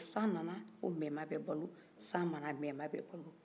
san nana ko mɛma bɛ balo san mann ko mɛma bɛ balo